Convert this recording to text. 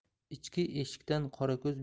ichki eshikdan qorako'z